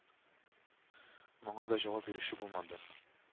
Моңа да җавап бирүче булмады